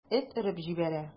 Эт өреп җибәрә.